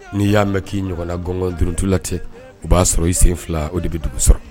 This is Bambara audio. N'i y'a mɛn k'i ɲɔgɔn na gɔn dtu la cɛ o b'a sɔrɔ i sen fila o de bɛ dugu sɔrɔ